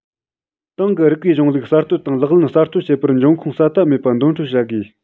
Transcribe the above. ཏང གི རིགས པའི གཞུང ལུགས གསར གཏོད དང ལག ལེན གསར གཏོད བྱེད པར འབྱུང ཁུངས ཟད མཐའ མེད པ འདོན སྤྲོད བྱ དགོས